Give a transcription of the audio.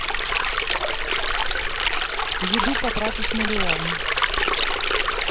еду потратить миллион